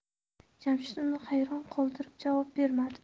jamshid uni hayron qoldirib javob bermadi